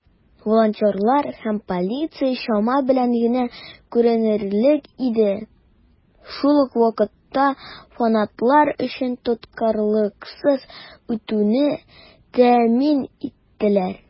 Волонтерлар һәм полиция чама белән генә күренерлек иде, шул ук вакытта фанатлар өчен тоткарлыксыз үтүне тәэмин иттеләр.